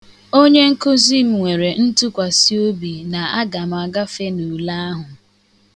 Onye nkụzi m nwere ntụkwasịobi na aga m agafe n'ule ahụ.